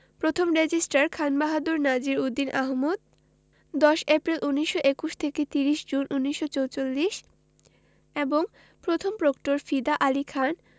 প্রথম registrar Khan Bahadur Nazir Uddin Ahmad ১০ April ১৯২১ থেকে ৩০ June ১৯৪৪ এবং প্রথম প্রক্টর ফিদা আলী খান